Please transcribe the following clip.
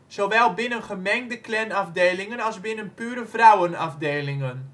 zowel binnen gemengde Klanafdelingen als binnen pure vrouwenafdelingen